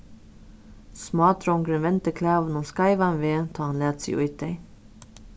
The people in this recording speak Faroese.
smádrongurin vendi klæðunum skeivan veg tá hann læt seg í tey